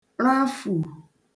rafù